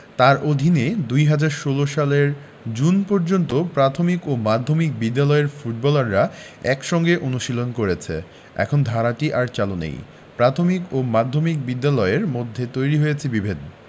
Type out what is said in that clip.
তাঁর অধীনে ২০১৬ সালের জুন পর্যন্ত প্রাথমিক ও মাধ্যমিক বিদ্যালয়ের ফুটবলাররা একসঙ্গে অনুশীলন করেছে এখন ধারাটি আর চালু নেই প্রাথমিক ও মাধ্যমিক বিদ্যালয়ের মধ্যে তৈরি হয়েছে বিভেদ